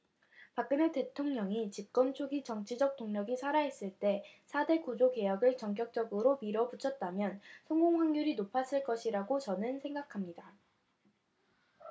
박근혜 대통령이 집권 초기 정치적 동력이 살아 있을 때 사 대 구조 개혁을 전격적으로 밀어붙였다면 성공 확률이 높았을 것이라고 저는 생각합니다